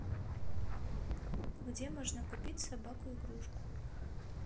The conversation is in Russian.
где можно купить собаку игрушку